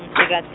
ungimsikati.